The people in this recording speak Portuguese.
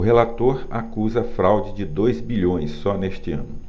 relator acusa fraude de dois bilhões só neste ano